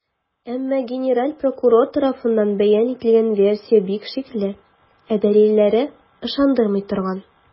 Әмма генераль прокурор тарафыннан бәян ителгән версия бик шикле, ә дәлилләре - ышандырмый торган.